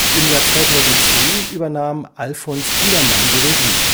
Im Jahr 2010 übernahm Alfons Biedermann die Regie